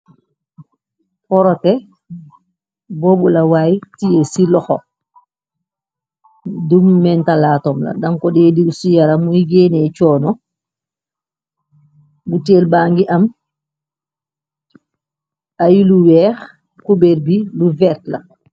Forote boobu la waay tie ci loxo dumi mentalato la dang ko dew si si yaram muy géene choono botal ba ngi am ay lu weex cuber bi lu vert la.